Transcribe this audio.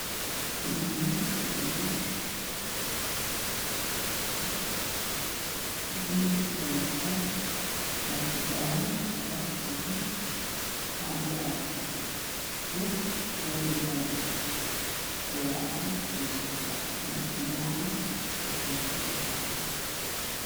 Waxaa ii muuqda laba wiil oo kasoo baxaysa iskuulka waxa ay wataan buugaag